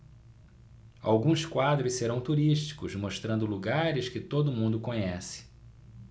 alguns quadros serão turísticos mostrando lugares que todo mundo conhece